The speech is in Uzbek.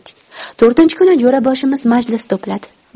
to'rtinchi kuni jo'raboshimiz majlis to'pladi